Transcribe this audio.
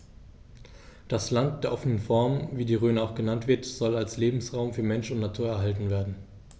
Das „Land der offenen Fernen“, wie die Rhön auch genannt wird, soll als Lebensraum für Mensch und Natur erhalten werden.